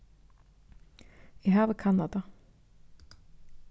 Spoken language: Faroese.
eg havi kannað tað